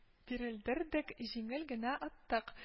Бирелдердек, җиңел генә аттык